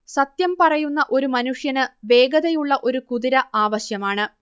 സത്യം പറയുന്ന ഒരു മനുഷ്യന് വേഗതയുള്ള ഒരു കുതിര ആവശ്യമാണ്